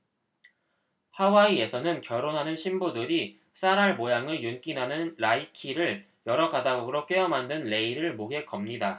하와이에서는 결혼하는 신부들이 쌀알 모양의 윤기 나는 라이키를 여러 가닥으로 꿰어 만든 레이를 목에 겁니다